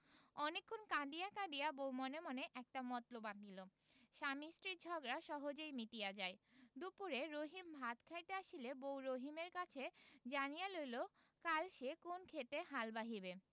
অনেকক্ষণ কাঁদিয়া কাঁদিয়া বউ মনে মনে একটি মতলব আঁটিল স্বামী স্ত্রীর ঝগড়া সহজেই মিটিয়া যায় দুপুরে রহিম ভাত খাইতে আসিলে বউ রহিমের কাছে জানিয়া লইল কাল সে কোন ক্ষেতে হাল বাহিবে